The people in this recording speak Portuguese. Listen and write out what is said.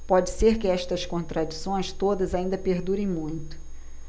pode ser que estas contradições todas ainda perdurem muito